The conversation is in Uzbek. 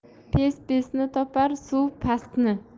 pes pesni topar suv pastni